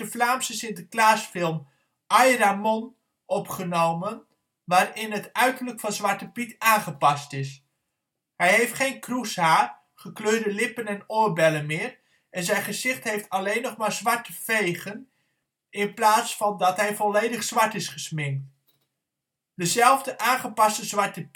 Vlaamse Sinterklaasfilm Ay Ramon! opgenomen, waarin het uiterlijk van Zwarte Piet aangepast is. Hij heeft geen kroeshaar, gekleurde lippen en oorbellen meer en zijn gezicht heeft alleen nog maar zwarte vegen in plaats van dat hij volledig zwart is geschminkt. Dezelfde aangepaste Zwarte